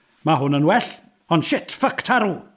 Mae hwn yn well, ond shit, fuck tarw!